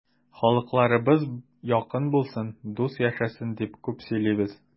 Халыкларыбыз якын булсын, дус яшәсен дип күп сөйлибез.